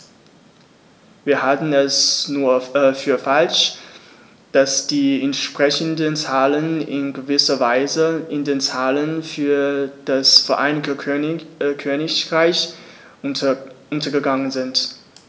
Wir halten es für falsch, dass die entsprechenden Zahlen in gewisser Weise in den Zahlen für das Vereinigte Königreich untergegangen sind.